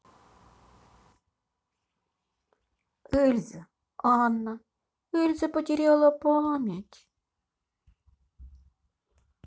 эльза анна эльза потеряла память